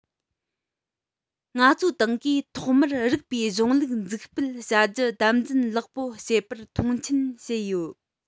ང ཚོའི ཏང གིས ཐོག མར རིགས པའི གཞུང ལུགས འཛུགས སྤེལ བྱ རྒྱུ དམ འཛིན ལེགས པོ བྱེད པར མཐོང ཆེན བྱས ཡོད